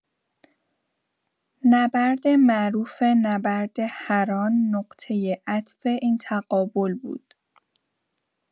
نبرد معروف نبرد حران نقطه عطف این تقابل بود؛